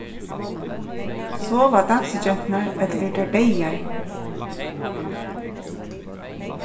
sova dansigenturnar ella eru tær deyðar